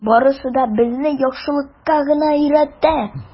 Барысы да безне яхшылыкка гына өйрәтә.